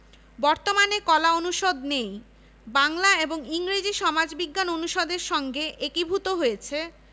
দুধরনের পেশাগত ডিপ্লোমা রয়েছে ডিপ্লোমা ইন কম্পিউটার অ্যাপ্লিকেশন এবং ডিপ্লোমা ইন কম্পিউটার নেটওয়ার্কিং নিয়মিত পাঠদান কর্মসূচির বাইরে